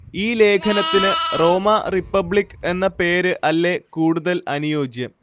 ഈ ലേഖനത്തിന് Roma republic എന്ന പേര് അല്ലേ കൂടുതൽ അനുയോജ്യം